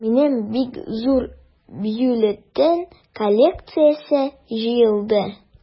Минем бик зур бюллетень коллекциясе җыелды.